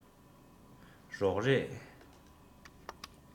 རོགས རེས